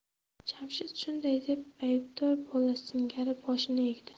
jamshid shunday deb aybdor bola singari boshini egdi